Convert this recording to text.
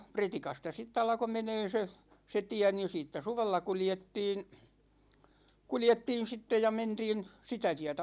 Pretikasta sitten alkoi menemään se se tie niin siitä suvella kuljettiin kuljettiin sitten ja mentiin sitä tietä